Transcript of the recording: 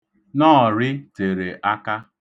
Nọọ̀rị tere aka.